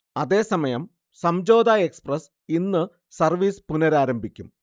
അതേസമയം സംഝോത എക്സ്പ്രസ്സ് ഇന്ന് സർവീസ് പുനരാരംഭിക്കും